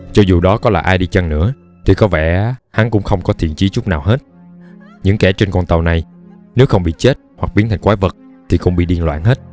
cho dù đó có là ai đi chăng nữa thì có vẻ hắn cũng không có thiện chí chút nào hết những kẻ trên con tàu này nếu không bị chết hoặc biến thành quái vật thì cũng bị điên loạn hết